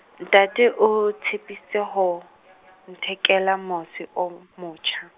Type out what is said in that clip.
ntate o tshepisitse ho, nthekela mose o motjha.